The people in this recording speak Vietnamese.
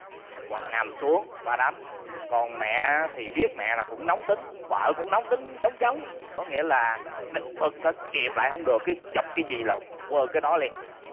hoặc nằm xuống bà đánh còn mẹ thì biết mẹ là cũng nóng tính vợ cũng nóng tính giống giống có nghĩa là bật cái kìm lại không được chụp cái gì là quơ cái đó liền